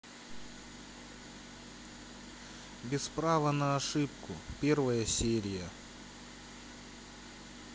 без права на ошибку первая серия